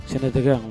Sɛnɛ tɛ kɛ yan